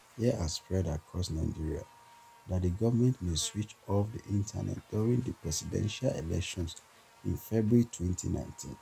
Fear has spread across Nigeria that the government may switch off the internet during the presidential elections in February 2019.